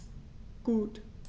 Gut.